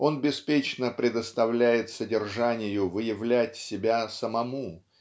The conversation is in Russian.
он беспечно предоставляет содержанию выявлять себя самому